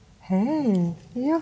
hei ja.